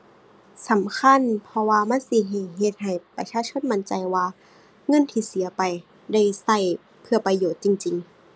สำคัญเพราะว่ามันสิให้เฮ็ดให้ประชาชนมั่นใจว่าเงินที่เสียไปได้ใช้เพื่อประโยชน์จริงจริง